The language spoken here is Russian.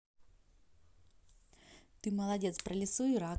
ты молодец про лису и рака